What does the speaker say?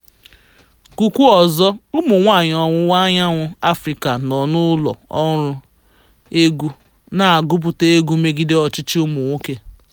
Gụkwuo ọzọ: Ụmụ nwaanyị Ọwụwa Anyanwụ Afịrịka nọ n'ụlọ ọrụ egwu na-agụpụta egwu megide ọchịchị ụmụ nwoke